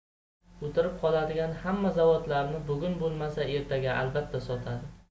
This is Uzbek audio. o'tirib qoladigan hamma zavodlarni bugun bo'lmasa ertaga albatta sotadi